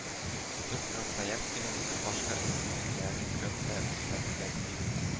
Без красноярскиның башка өстенлекләр рен дә күрсәтергә телибез